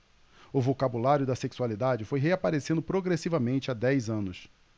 o vocabulário da sexualidade foi reaparecendo progressivamente há dez anos